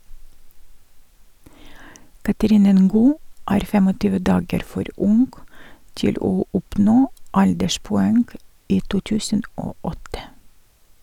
Catherine Ngo er 25 dager for ung til å oppnå alderspoeng i 2008.